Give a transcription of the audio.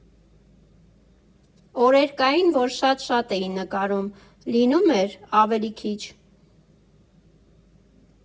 Օրեր կային, որ շատ շատ էի նկարում, լինում էր՝ ավելի քիչ։